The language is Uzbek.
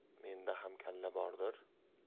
menda ham kalla bordir